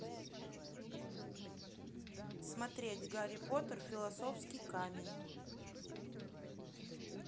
смотреть гарри поттер философский камень